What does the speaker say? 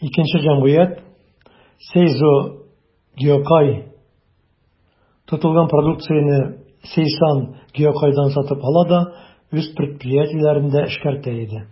Икенче җәмгыять, «Сейзо Гиокай», тотылган продукцияне «Сейсан Гиокайдан» сатып ала да үз предприятиеләрендә эшкәртә иде.